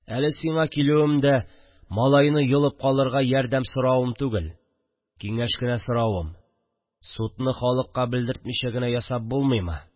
Әле сиңа килүем дә малайны йолып калырга ярдәм соравым түгел, киңәш кенә соравым: судны халыкка белдертмичә генә ясап булмыймы